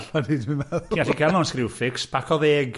Ti'n gallu cael nhw'n screw fix, pac o ddeg.